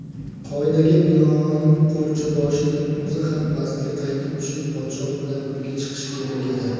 qoidaga binoan qo'rchiboshining o'zi ham pastga qaytib tushib podshoh bilan birga chiqishi kerak edi